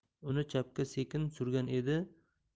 uni chapga sekin surgan edi